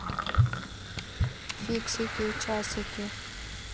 фиксики часики